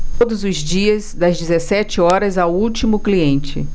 todos os dias das dezessete horas ao último cliente